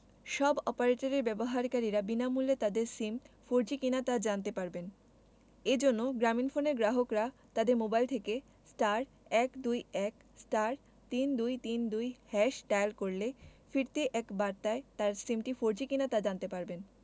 সব অপারেটরের ব্যবহারকারীরা বিনামূল্যে তাদের সিম ফোরজি কিনা তা জানতে পারবেন এ জন্য গ্রামীণফোনের গ্রাহকরা তাদের মোবাইল থেকে *১২১*৩২৩২# ডায়াল করলে ফিরতি এক বার্তায় তার সিমটি ফোরজি কিনা তা জানতে পারবেন